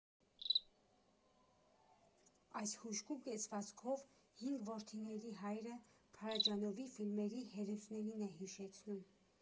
Այս հուժկու կեցվածքով հինգ որդիների հայրը Փարաջանովի ֆիլմերի հերոսներին է հիշեցնում։